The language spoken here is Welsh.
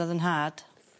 o'dd 'yn nhad.